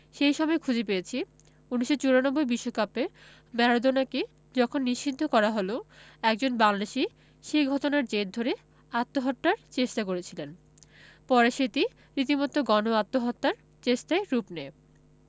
সে সময় খুঁজে পেয়েছি ১৯৯৪ বিশ্বকাপে ম্যারাডোনাকে যখন নিষিদ্ধ করা হলো একজন বাংলাদেশি সে ঘটনার জের ধরে আত্মহত্যার চেষ্টা করেছিলেন পরে সেটি রীতিমতো গণ আত্মহত্যার চেষ্টায় রূপ নেয়